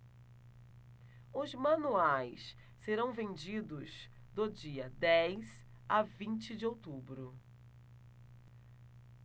os manuais serão vendidos do dia dez a vinte de outubro